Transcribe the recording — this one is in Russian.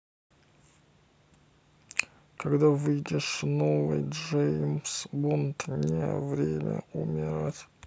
когда выйдет новый джеймс бонд не время умирать